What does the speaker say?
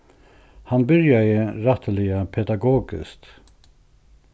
hann byrjaði rættiliga pedagogiskt